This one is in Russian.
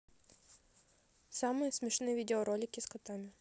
самые смешные видеоролики с котами